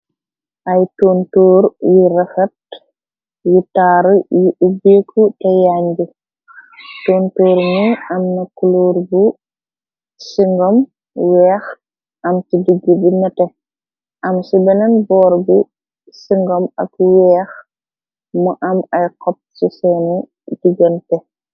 Ay tontoor yi refat yu taar yu ubbiiku te yañ bi tontoor ni am na kuluor bu singom weex am ci digg bi nete am ci beneen boor bi singom ak weex mu am ay xop ci seeni digante.